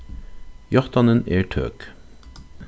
játtanin er tøk